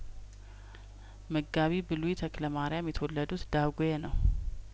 መጋቢ ብሉይ ተክለማሪያም የተወለዱት ዳጔ ነው